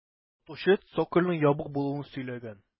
Сатучы цокольның ябык булуын сөйләгән.